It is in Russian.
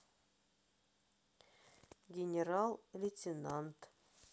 генерал лейтенант